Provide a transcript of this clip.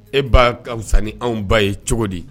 E b'a ka fisasanni anw ba ye cogo di